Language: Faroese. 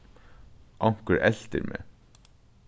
onkur eltir meg